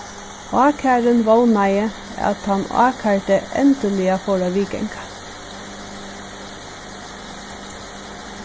ákærin vónaði at tann ákærdi endiliga fór at viðganga